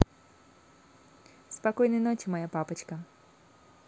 спокойной ночи моя папочка